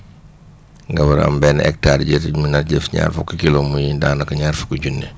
nga war a am benn hectare joo si mën a def ñaar fukki kilos muy daanaka ñaar fukki junni